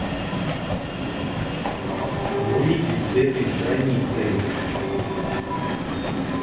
выйди с этой страницы